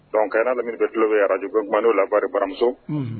Dɔnku kɛ' lamini bɛ tulolo bɛ arajumana'o lafari baramuso